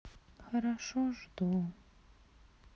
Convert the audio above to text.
хорошо жду